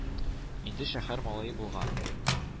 Инде шәһәр малае булган.